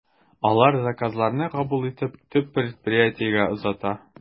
Алар заказларны кабул итеп, төп предприятиегә озата.